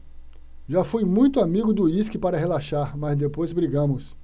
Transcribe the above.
já fui muito amigo do uísque para relaxar mas depois brigamos